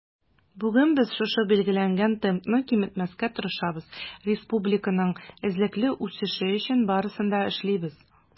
Бүген без шушы билгеләнгән темпны киметмәскә тырышабыз, республиканың эзлекле үсеше өчен барысын да эшлибез.